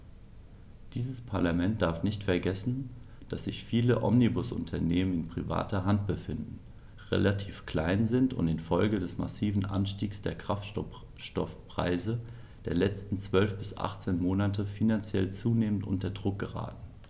Dieses Parlament darf nicht vergessen, dass sich viele Omnibusunternehmen in privater Hand befinden, relativ klein sind und in Folge des massiven Anstiegs der Kraftstoffpreise der letzten 12 bis 18 Monate finanziell zunehmend unter Druck geraten.